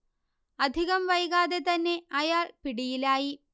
അധികം വൈകാതെ തന്നെ അയാൾ പിടിയിലായി